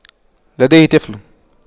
لديه طفل